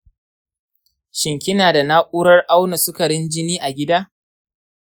shin kina da na’urar auna sukarin jini a gida?